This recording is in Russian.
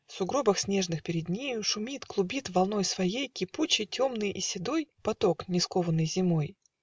В сугробах снежных перед нею Шумит, клубит волной своею Кипучий, темный и седой Поток, не скованный зимой